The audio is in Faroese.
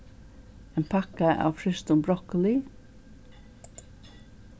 ein pakka av frystum brokkoli